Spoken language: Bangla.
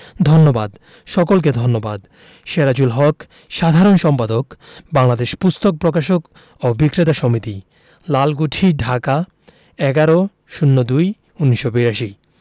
ধন্যবাদ সকলকে ধন্যবাদ সেরাজুল হক সাধারণ সম্পাদক বাংলাদেশ পুস্তক প্রকাশক ও বিক্রেতা সমিতি লালকুঠি ঢাকা ১১-০২-১৯৮২